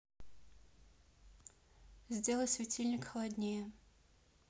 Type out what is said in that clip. сделай светильник холоднее